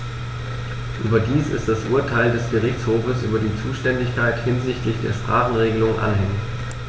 Überdies ist das Urteil des Gerichtshofes über die Zuständigkeit hinsichtlich der Sprachenregelung anhängig.